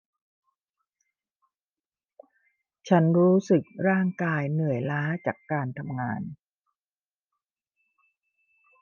ฉันรู้สึกร่างกายเหนื่อยล้าจากการทำงาน